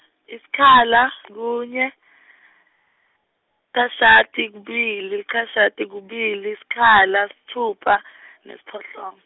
sikhala , kunye , cashata, kubili, licashata, kubili, sikhala, sitfupha , nesiphohlongo.